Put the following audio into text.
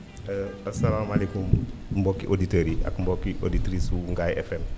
asalaamualeykum mbokki auditeurs yi ak mbokki auditrices yu Ngaye FM